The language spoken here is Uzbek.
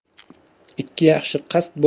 ikki yaxshi qasd